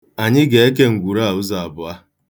Anyị ga-eke ngwuru a ụzọ abụọ.